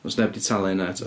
Oes neb 'di talu hynna eto.